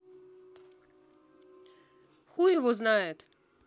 хуй его знает